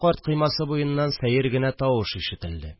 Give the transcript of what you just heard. Карт коймасы буеннан сәер генә тавыш ишетелде